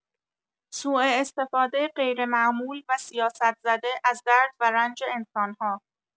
سوءاستفاده غیرمعمول و سیاست زده از درد و رنج انسان‌ها